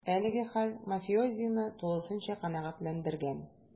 Әлеге хәл мафиозины тулысынча канәгатьләндергән: